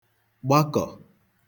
gbakọ̀